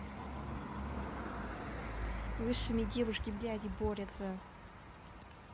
высшими девушки бляди борятся